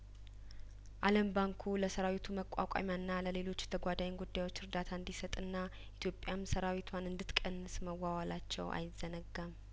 አለም ባንኩ ለሰራዊቱ መቋቋሚያና ለሌሎች ተጓዳኝ ጉዳዮች እርዳታ እንዲሰጥና ኢትዮጵያም ሰራዊትዋን እንድት ቀንስ መዋዋላቸው አይዘነጋም